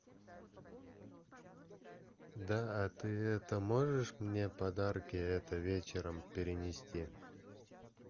да а ты это можешь мне подарки это вечером перенести